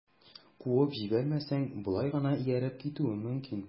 Куып җибәрмәсәң, болай гына ияреп китүем мөмкин...